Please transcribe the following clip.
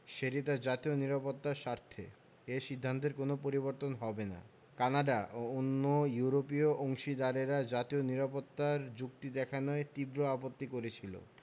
সেটি তার জাতীয় নিরাপত্তার স্বার্থে এ সিদ্ধান্তের কোনো পরিবর্তন হবে না কানাডা ও অন্য ইউরোপীয় অংশীদারেরা জাতীয় নিরাপত্তার যুক্তি দেখানোয় তীব্র আপত্তি করেছিল